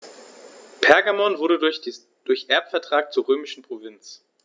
Pergamon wurde durch Erbvertrag zur römischen Provinz.